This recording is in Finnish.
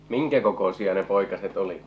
minkäkokoisia ne poikaset oli